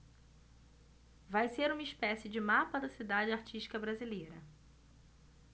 vai ser uma espécie de mapa da cidade artística brasileira